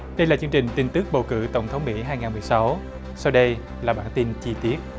đây là chương trình tin tức bầu cử tổng thống mỹ hai ngàn mười sáu sau đây là bản tin chi tiết